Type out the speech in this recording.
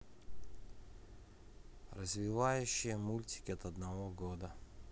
развивающие мультики от одного года